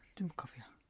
Dwi'm yn cofio.